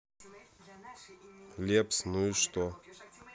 лепс ну и что